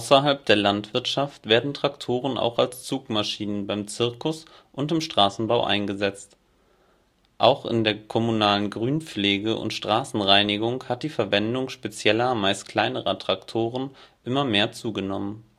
Außerhalb der Landwirtschaft werden Traktoren auch als Zugmaschinen beim Zirkus und im Straßenbau eingesetzt. Auch in der kommunalen Grünpflege und Straßenreinigung hat die Verwendung spezieller meist kleinerer Traktoren immer mehr zugenommen